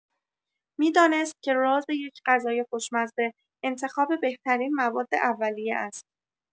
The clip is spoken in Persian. می‌دانست که راز یک غذای خوشمزه، انتخاب بهترین مواد اولیه است.